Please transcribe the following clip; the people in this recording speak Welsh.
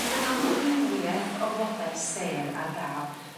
ma' 'na amrywieth o flode sêr ar ga'l